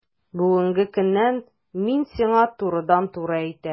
Бүгенге көннән мин сиңа турыдан-туры әйтәм: